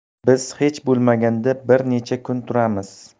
biz hech bo'lmaganda bir necha kun turamiz